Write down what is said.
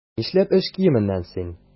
Нишләп эш киеменнән син?